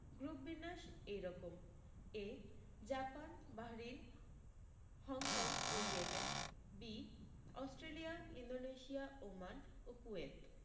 group বিন্যাস এইরকম A Japan Bahrain Hong Kong ও Yemen B Australia Indonesia Oman ও কুয়েত